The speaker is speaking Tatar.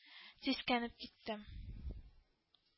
Сискәнеп киттем